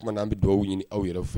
O tuma na an bɛ duwawu ɲini aw yɛrɛ fɛ